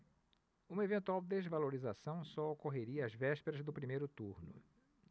uma eventual desvalorização só ocorreria às vésperas do primeiro turno